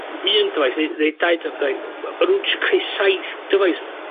un dyfais neu neu dau dyfai- yy ma' ma' nw'n trio creu saith dyfais.